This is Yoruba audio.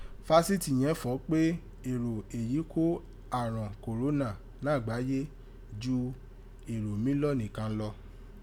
Fásitì yẹ̀n fọ̀ pé, èrò èyí kó ààrọ̀n kòrónà nágbáyé jù èrò mílíọ́ọ̀nù kàn lọ.